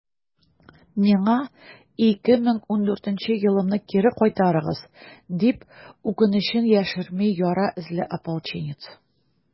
«миңа 2014 елымны кире кайтарыгыз!» - дип, үкенечен яшерми яра эзле ополченец.